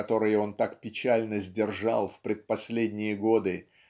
которые он так печально сдержал в предпоследние годы